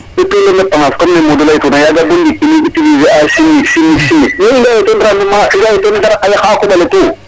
Surtout comme ne Modou laytuna rek yaga bo ndiik in way utiliser a chimi chimi i nga'ee teen rendement i nga'ee teen daraa yaqaa a Koƥ ale tout.